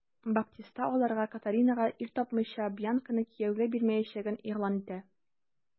Баптиста аларга, Катаринага ир тапмыйча, Бьянканы кияүгә бирмәячәген игълан итә.